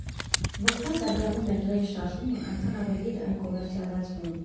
Որքան զարգանում էր ռեյվ֊շարժումը, այնքան ավելի էր այն կոմերցիալացվում։